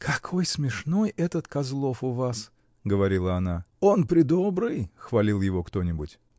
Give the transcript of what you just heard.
— Какой смешной этот Козлов у вас! — говорила она. — Он предобрый! — хвалил его кто-нибудь.